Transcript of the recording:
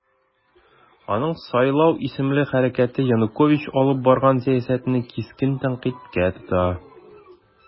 Аның "Сайлау" исемле хәрәкәте Янукович алып барган сәясәтне кискен тәнкыйтькә тота.